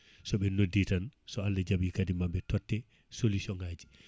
soɓe noddi tan so Allah jaaɓi kadi mae totte solution ngaji